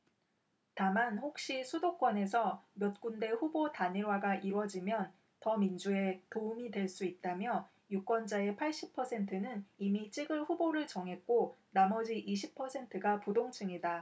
다만 혹시 수도권에서 몇 군데 후보 단일화가 이뤄지면 더민주에 도움이 될 수 있다며 유권자의 팔십 퍼센트는 이미 찍을 후보를 정했고 나머지 이십 퍼센트가 부동층이다